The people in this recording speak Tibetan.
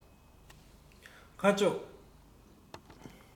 ཁ ཕྱོགས